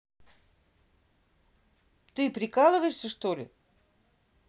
ты прикалываешься что ли